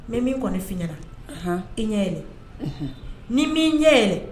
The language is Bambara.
Mɛ min kɔni ne fiɲɛna i ɲɛ yɛrɛ ni min ɲɛ yɛrɛ